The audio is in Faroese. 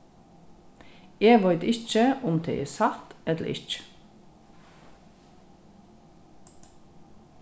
eg veit ikki um tað er satt ella ikki